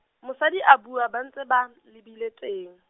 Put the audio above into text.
mosadi a bua ba ntse ba, lebile teng.